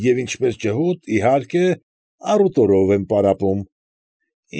Եվ ինչպես ջհուդ, իհարկե, առուտուրով եմ պարապում։